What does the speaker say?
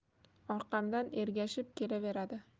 orqamdan ergashib kelaveradi